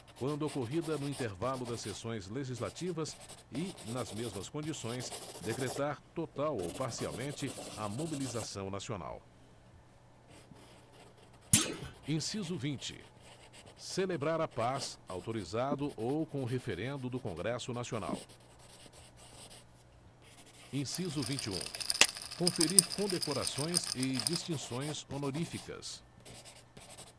quando ocorrida no intervalo das sessões legislativas e nas mesmas condições decretar total ou parcialmente a mobilização nacional inciso vinte celebrar a paz autorizado ou com o referendo do congresso nacional inciso vinte e um conferir condecorações e distinções honoríficas